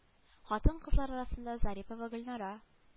Хатын-кызлар арасында зарипова гөлнара